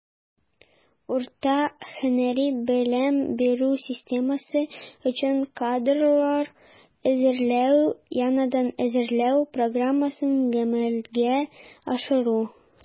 Урта һөнәри белем бирү системасы өчен кадрлар әзерләү (яңадан әзерләү) программасын гамәлгә ашыру.